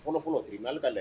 Fɔlɔ fɔlɔ tribunal ka lɛ